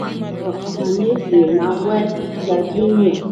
Trump gbakọrọ ọhaneze na West Virginia